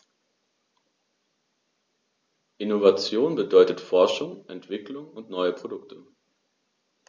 Innovation bedeutet Forschung, Entwicklung und neue Produkte.